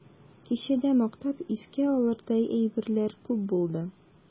Кичәдә мактап искә алырдай әйберләр күп булды.